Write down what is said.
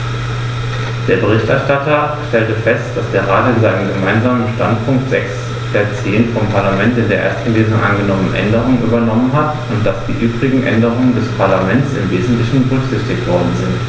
Der Berichterstatter stellte fest, dass der Rat in seinem Gemeinsamen Standpunkt sechs der zehn vom Parlament in der ersten Lesung angenommenen Änderungen übernommen hat und dass die übrigen Änderungen des Parlaments im wesentlichen berücksichtigt worden sind.